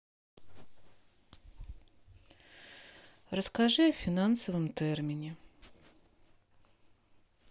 расскажи о финансовом термине